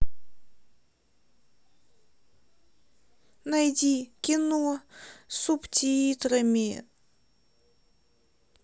найди кино с субтитрами